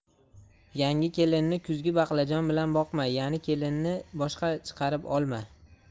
yangi kelinni kuzgi baqlajon bilan boqma yani kelinni boshga chiqarib olma